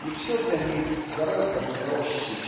и все для них гораздо проще